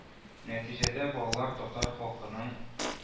Әтиҗәдә балалар татар халкының